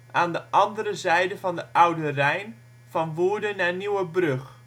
aan de andere zijde van de Oude Rijn van Woerden naar Nieuwerbrug